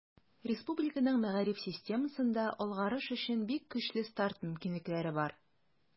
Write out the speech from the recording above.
Республиканың мәгариф системасында алгарыш өчен бик көчле старт мөмкинлекләре бар.